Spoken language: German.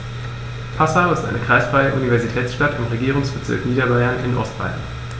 Passau ist eine kreisfreie Universitätsstadt im Regierungsbezirk Niederbayern in Ostbayern.